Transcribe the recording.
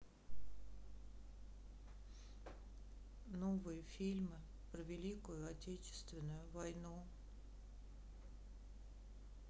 новые фильмы про великую отечественную войну